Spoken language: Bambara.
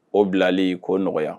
O bilali k'o nɔgɔya.